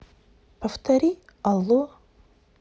повтори алло